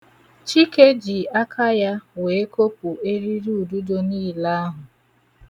Chike ji aka ya wee kopu eririududo niile ahụ.